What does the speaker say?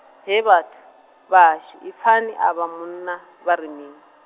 hee vhathu, vha hashu, i pfani a vha munna, vha ri mini.